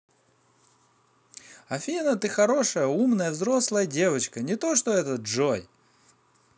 афина ты хорошая умная взрослая девочка не то что это джой